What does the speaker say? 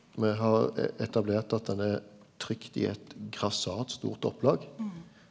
me har etablert at den er trykt i eit grassat stort opplag.